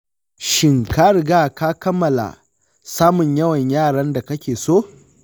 shin ka riga ka kammala samun yawan yaran da kake so?